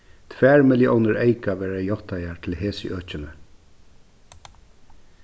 tvær milliónir eyka verða játtaðar til hesi økini